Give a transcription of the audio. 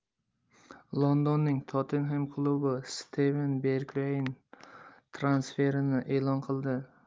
londonning tottenhem klubi steven bergveyn transferini e'lon qildi